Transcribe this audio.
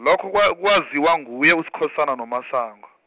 lokho kwa- kwaziwa nguye kuSkhosana noMasango.